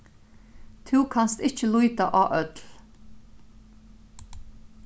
tú kanst ikki líta á øll